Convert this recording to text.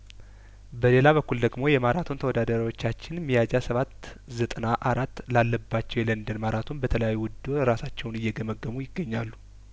በሌላ በኩል ደግሞ የማራቶን ተወዳዳሪዎቻችን ሚያዝያሰባት ዘጠና አራት ላለባቸው የለንደን ማራቶን በተለያዩ ውድድሮች ራሳቸውን እየገመገሙ ይገኛሉ